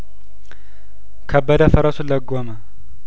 ከበደ ፈረሱን ለጐመ